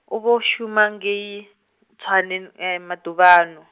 u vho shuma ngei, Tshwane maḓuvha ano.